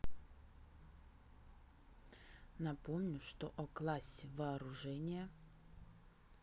напомню что о классе вооружения